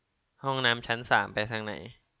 ห้องน้ำชั้นสามไปทางไหน